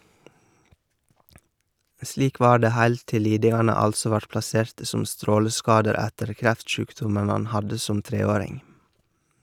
Slik var det heilt til lidingane altså vart plasserte som stråleskader etter kreftsjukdommen han hadde som treåring.